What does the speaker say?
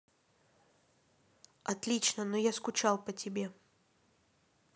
отлично но я скучал по тебе